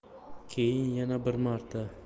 keyin yana bir marta